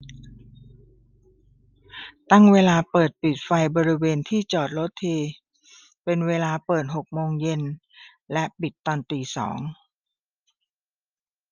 ตั้งเวลาเปิดปิดไฟบริเวณที่จอดรถทีเป็นเวลาเปิดหกโมงเย็นและปิดตอนตีสอง